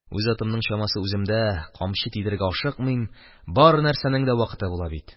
Үз атымның чамасы үземдә, камчы тидерергә ашыкмыйм – бар нәрсәнең дә вакыты була бит